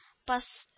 Пос